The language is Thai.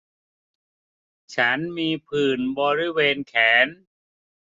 ฉันมีผื่นบริเวณแขน